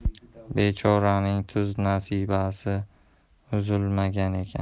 bechoraning tuz nasibasi uzilmagan ekan